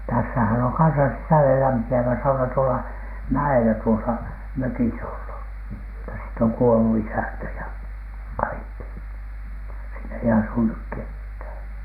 tässähän on kanssa sisällelämpiävä sauna tuolla mäellä tuossa mökissä ollut mutta siitä on kuollut isäntä ja kaikki siinä ei asu nyt ketään